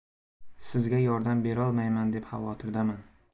sizga yordam berolmayman deb xavotirdaman